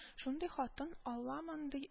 Шундый хатын — Аллам андый